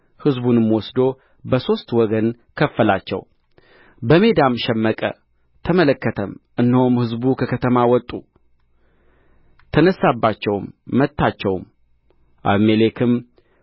ሕዝቡንም ወስዶ በሦስት ወገን ከፈላቸው በሜዳም ሸመቀ ተመለከተም እነሆም ሕዝቡ ከከተማ ወጡ ተነሣባቸውም መታቸውም አቤሜሌክም